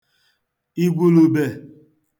ìgwùlùbè